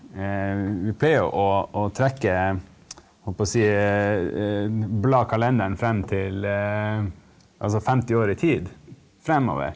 vi pleier å å trekke holdt på å si bla kalenderen frem til altså 50 år i tid fremover.